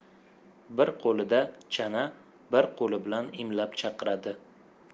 bir qo'lida chana bir qo'li bilan imlab chaqiradi